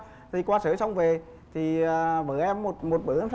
thì qua sửa xong về thì bữa em một một bữa